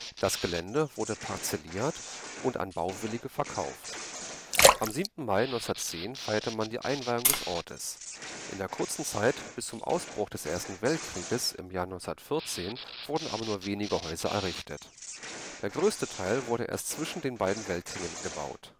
Das Gelände wurde parzelliert und an Bauwillige verkauft. Am 7. Mai 1910 feierte man die Einweihung des Ortes, in der kurzen Zeit bis zum Ausbruch des Ersten Weltkriegs im Jahr 1914 wurden aber nur wenige Häuser errichtet. Der größte Teil wurde erst zwischen den beiden Weltkriegen bebaut